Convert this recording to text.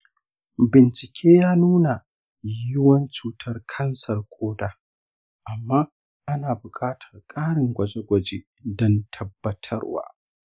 bincike ya nuna yiwuwan cutar kansar ƙoda, amma ana buƙatan ƙarin gwaje gwaje don tabbatarwa